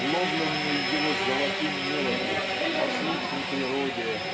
уловленный его "золотым неводом" послушный природе